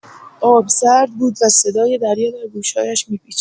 آب سرد بود و صدای دریا در گوش‌هایش می‌پیچید.